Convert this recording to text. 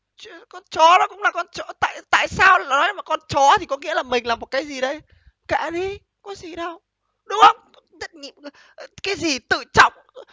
chuyện con chó nó cũng là con chó tại tại sao nói một con chó thì có nghĩa mình là một cái gì đấy kệ đi có gì đâu đúng không đất nghiệm cơ cái gì tự trọng